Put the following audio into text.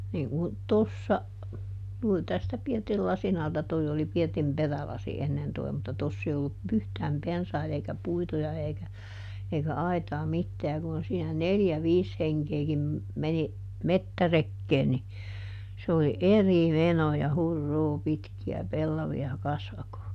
niin kun tuossa juuri tästä pirtin lasin alta tuo oli pirtin perälasi ennen tuo mutta tuossa ei ollut yhtään pensaita eikä puita ja eikä eikä aitaa mitään ja kun siinä neljä viisi henkeäkin meni metsärekeen niin se oli eri menoa ja huruu pitkiä pellavia kasvakoon